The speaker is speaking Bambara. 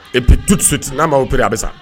Et puis tout de suite n'a ma opérer a bɛ sa